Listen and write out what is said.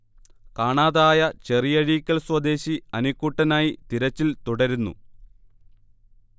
കാണാതായ ചെറിയഴീക്കൽ സ്വദേശി അനിക്കുട്ടനായി തിരച്ചിൽ തുടരുന്നു